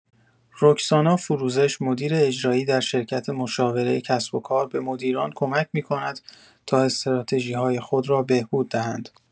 رکسانا فروزش، مدیر اجرایی در شرکت مشاوره کسب‌وکار، به مدیران کمک می‌کند تا استراتژی‌های خود را بهبود دهند.